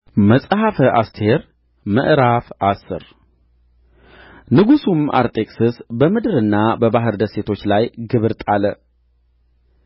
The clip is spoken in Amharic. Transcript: መጽሐፈ አስቴር ምዕራፍ አስር ንጉሡም አርጤክስስ በምድርና በባሕር ደሴቶች ላይ ግብር ጣለ